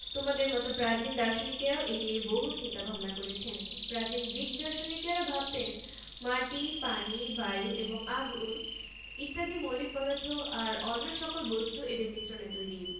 প্রতিটি পদার্থ অজস্র ক্ষুদ্র এবং অবিভাজ্য কণার সমন্বয়ে গঠিত তিনি দার্শনিক ডেমোক্রিটাসের সম্মানে এ একক কণার নাম দেন এটম যার অর্থ পরমাণু এর পরে প্রমাণিত হয় যে পরমাণু অবিভাজ্য নয় এদের ভাঙলে পরমাণুর চেয়েও